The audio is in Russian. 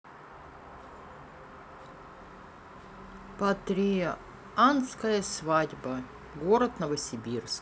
патрицианская свадьба город новосибирск